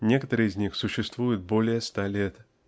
некоторые из них существуют более ста лет